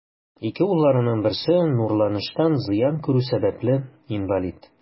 Ике улларының берсе нурланыштан зыян күрү сәбәпле, инвалид.